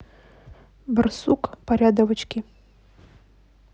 борсук порядовочки